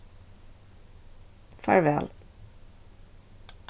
farvæl